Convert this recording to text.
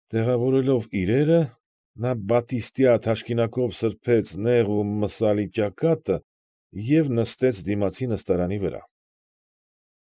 Տեղավորելով իրերը, նա բատիստյա թաշկինակով սրբեց նեղ ու մսալի ճակատը և նստեց դիմացի նստարանի վրա։